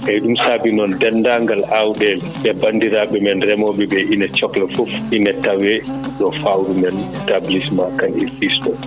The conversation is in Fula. eeyi ɗum saabii noon deendaangal aawɗeele e banndiraaɓe men remooɓe ɓe ina cohla fof ina tawee ɗo fawru men établissement Kane et fils ɗo